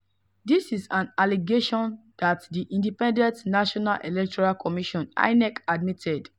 This is an allegation that the Independent National Electoral Commission (INEC) admitted.